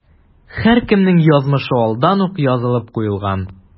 Һәркемнең язмышы алдан ук язылып куелган.